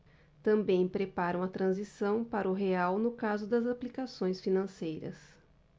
também preparam a transição para o real no caso das aplicações financeiras